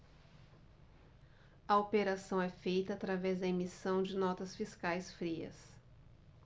a operação é feita através da emissão de notas fiscais frias